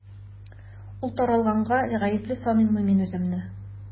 Ул таралганга гаепле саныймын мин үземне.